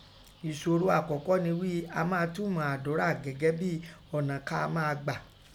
Ìsòro àkọ́kọ́ ni ghí, à ma túmọ̀ àdọ́rà gẹ́gẹ́ bi ọ̀nà ká a má a gbà